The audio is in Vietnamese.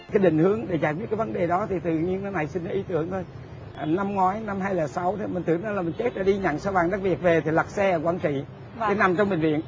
cái định hướng để giải quyết cái vấn đề đó thì tự nhiên nó nảy sinh ý tưởng thôi năm ngoái năm hai lẻ sáu thì mình tưởng đâu mình chết rồi đi nhận sao vàng đất việt về thì lật xe ở quảng trị đi nằm trong bệnh viện